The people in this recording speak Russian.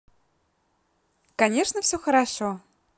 конечно все хорошо